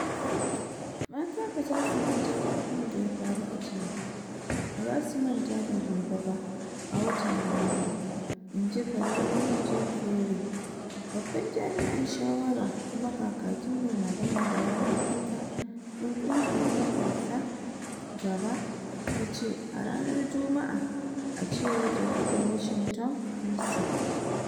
"Mata ba za su manta da abin da ya faru a jiya ba - ba za su manta da gobe ba a watan Nuwamba," in ji Karine Jean-Pierre, babban jami'in shawara kuma kakakin mai magana da yawun mata 'yan kungiyar MatsaGaba tace a ranar Jumma'a, a cewar Jaridar Washington DC.